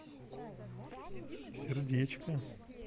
сердечко